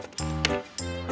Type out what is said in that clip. đứa